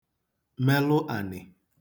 melụ ànị̀